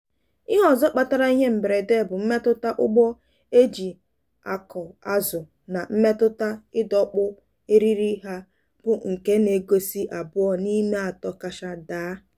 ihe ọzọ kpatara ihe mberede bụ mmetuta ụgbọ eji akọazụ na mmetụta idọkpu eriri ha bụ nke na-egosi abụọ n'ime atọ kacha daa.